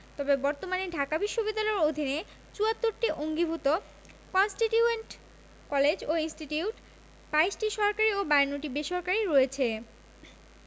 তবে বর্তমানে ঢাকা বিশ্ববিদ্যালয়ের অধীনে ৭৪টি অঙ্গীভুত কন্সটিটিউয়েন্ট কলেজ ও ইনস্টিটিউট ২২টি সরকারি ও ৫২টি বেসরকারি রয়েছে